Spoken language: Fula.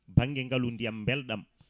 banggue ngaalu ndiyam belɗam